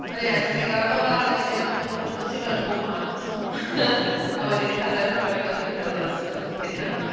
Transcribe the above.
Ond ie oedd 'da ti'r... o'r adeg lle oedd chi'n gorfod cael dy bysio fewn o bob man... mm. ... a wedyn cyrraedd pryd bynnag oedd chi'n cyrraedd yr ysgol cyn naw.